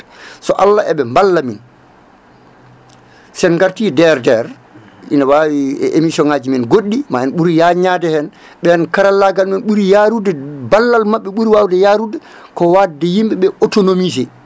so Allah eɓe balla min sen garti DRDR ine wawi émission ngaji men goɗɗi ma en ɓuur yagnnade hen ɓen karallagal mumen ɓuuri yaarude ballal mabɓe ɓuuri wawde yarude ko wadde yimɓeɓe autonomiser